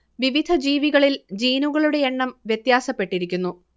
വിവിധ ജീവികളിൽ ജീനുകളുടെ എണ്ണം വ്യത്യാസപ്പെട്ടിരിക്കുന്നു